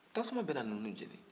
tasuma bɛna ninnu jeni